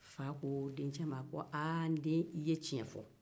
a fa ko denkɛ ma aa n'den i ye tiɲɛ fɔ